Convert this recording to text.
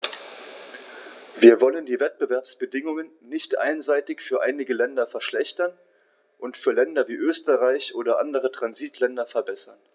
Wir wollen die Wettbewerbsbedingungen nicht einseitig für einige Länder verschlechtern und für Länder wie Österreich oder andere Transitländer verbessern.